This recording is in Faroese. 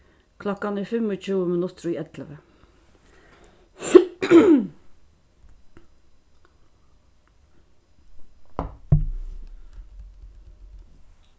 klokkan er fimmogtjúgu minuttir í ellivu